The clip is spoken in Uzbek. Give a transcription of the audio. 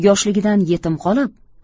u yoshligidan yetim qolib